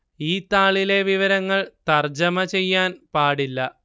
ഈ താളിലെ വിവരങ്ങൾ തർജ്ജമ ചെയ്യാൻ പാടില്ല